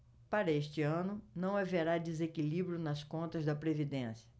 para este ano não haverá desequilíbrio nas contas da previdência